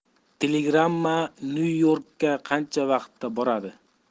telegramma nyu yorkka qancha vaqtda boradi